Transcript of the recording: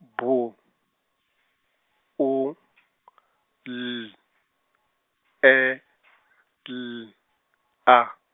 B, U , L, E, L, A.